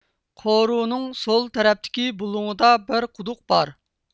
قورۇنىڭ سول تەرىپىدىكى بۇلۇڭىدا بىر قۇدۇق بار